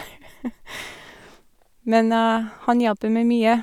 Men æ han hjelper meg mye.